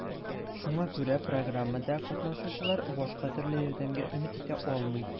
Шуңа күрә программада катнашучылар башка төрле ярдәмгә өмет итә алмый.